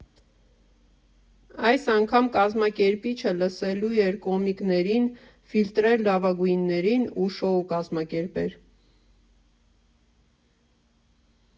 Այս անգամ կազմակերպիչը լսելու էր կոմիկներին, ֆիլտրեր լավագույններին ու շոու կազմակերպեր։